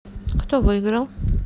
кто выиграл